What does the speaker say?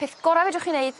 peth gora' fedrwch chi neud